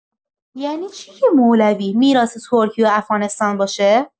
یعنی چی که مولوی میراث ترکیه و افغانستان باشه؟